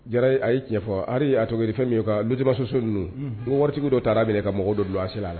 Jara a y' fɔ ali aa toeri fɛn min' kan du mamuso so ninnu waritigiw dɔ taara minɛ ka mɔgɔ don a sera a la